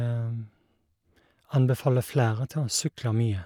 Anbefaler flere til å sykle mye.